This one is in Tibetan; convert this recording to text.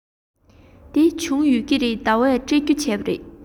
དེ བྱུང ཡོད ཀྱི རེད ཟླ བས སྤྲོད རྒྱུ བྱས པ རེད